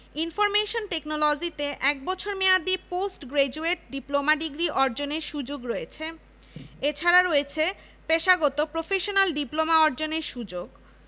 সামাজিক বিজ্ঞান অনুষদের অন্তর্ভুক্ত বিভাগসমূহের মধ্যে আছে সমাজতত্ত্ব সমাজকর্ম নৃবিজ্ঞান অর্থনীতি এবং রাষ্ট্রবিজ্ঞান ও সরকার ব্যবস্থা